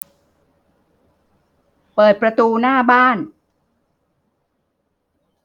เปิดประตูหน้าบ้าน